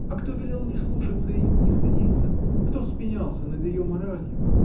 А кто велел не слушаться ее, не стыдиться? Кто смеялся над ее моралью?